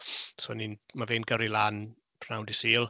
So ni'n... mae fe'n gyrru lan prynhawn Dydd Sul.